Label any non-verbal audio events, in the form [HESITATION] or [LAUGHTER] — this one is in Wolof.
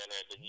[HESITATION] [HESITATION]